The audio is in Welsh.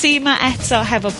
...ti 'ma eto hefo...